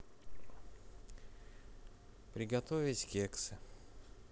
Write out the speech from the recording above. приготовить кексы